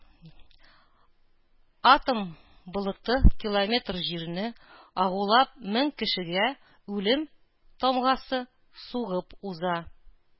Атом болыты километр җирне агулап мең кешегә үлем тамгасы сугып уза.